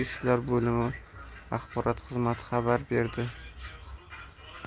ishlar boimi axborot xizmati xabar berdi